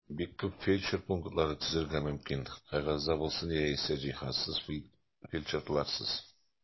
Бик күп фельдшер пунктлары төзергә мөмкин (кәгазьдә булсын яисә җиһазсыз, фельдшерларсыз).